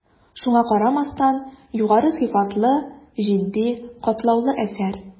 Шуңа карамастан, югары сыйфатлы, житди, катлаулы әсәр.